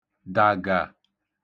dàgà